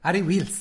Ar ei wîls!